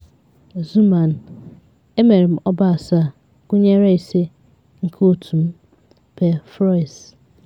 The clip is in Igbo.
Xuman emere m ọba asaa, gụnyere ise nke otu m, Pee Froiss.